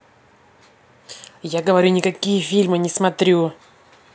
я говорю никакие фильмы не смотрю